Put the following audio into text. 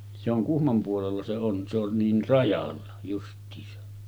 se on Kuhmon puolella se on se on niin rajalla justiinsa